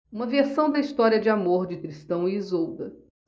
uma versão da história de amor de tristão e isolda